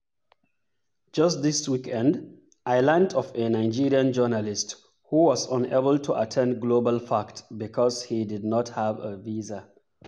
Just this weekend, I learnt of a Nigerian journalist who was unable to attend GlobalFact because he didn't have a visa.